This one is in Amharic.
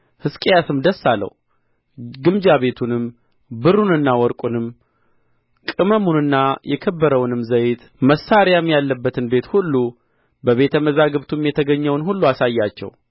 ሕዝቅያስም ደስ አለው ግምጃ ቤቱንም ብሩንና ወርቁንም ቅመሙንና የከበረውንም ዘይት መሣርያም ያለበትን ቤት ሁሉ በቤተ መዛግብቱም የተገኘውን ሁሉ አሳያቸው